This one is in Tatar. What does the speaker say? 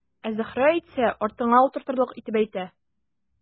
Ә Зөһрә әйтсә, артыңа утыртырлык итеп әйтә.